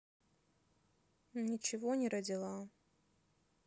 ничего не родила